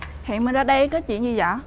hẹn em ra đây có chuyện gì dợ